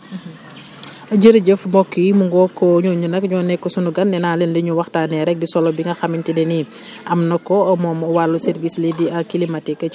jërëjëf mbokk yi mu ngoog ñooñu nag ñoo nekk suñu gan nee naa leen li ñuy waxtaanee rek di solo bi nga xamante ne nii am na ko moom wàllu service lii di climatique ci loolu